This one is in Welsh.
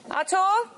A to?